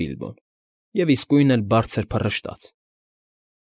Բիլբոն և իսկույն էլ բարձր փռշտաց։